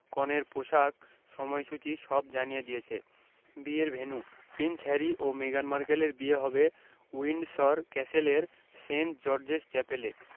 কনের পোশাক সময়সূচী সব জানিয়ে দিয়েছে বিয়ের ভেন্যু প্রিন্স হ্যারি ও মেগান মার্কেলের বিয়ে হবে উইন্ডসর ক্যাসেলের সেন্ট জর্জেস চ্যাপেলে